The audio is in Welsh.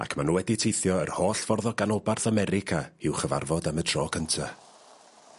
...ac ma' n'w wedi teithio yr holl ffordd o ganolbarth America i'w chyfarfod am y tro cynta.